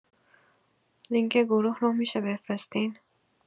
لینک گروه رو می‌شه بفرستین